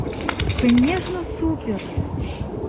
конечно супер